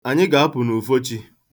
Anyị ga-apụ n'ufochi.